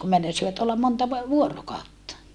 kun meinasivat olla monta - vuorokautta